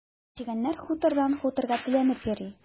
Ә чегәннәр хутордан хуторга теләнеп йөри.